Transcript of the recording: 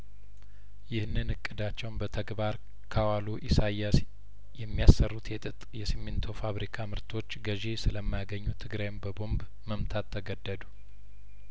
ይህንን እቅዳቸውን በተግባር ካ ዋሉ ኢሳይያስ የሚያሰሩት የጥጥ የሲሚንቶ ፋብሪካምርቶች ገዥ ስለማ ያገኙ ትግራይን በቦንብ መምታት ተገደዱ